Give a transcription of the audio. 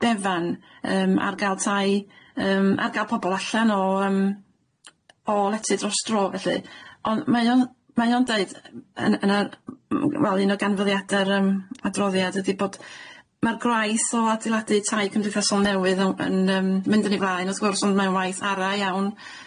Defan yym ar ga'l tai yym ar ga'l pobol allan o yym o letu dros dro felly ond mae o'n mae o'n deud yn yn yr m- m- wel un o ganfyddiada'r yym adroddiad ydi bod ma'r gwaith o adeiladu tai cymdeithasol newydd on- yn yym mynd yn ei flaen wrth gwrs ond mae o'n waith ara iawn.